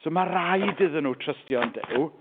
So ma' raid iddyn nhw trystio yn Duw.